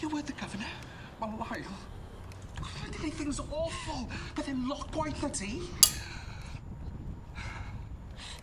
You eared the governor. Ma' Lyle mae 'di deud things awful. Pethe lot gwaeth na ti.